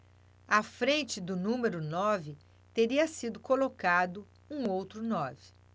à frente do número nove teria sido colocado um outro nove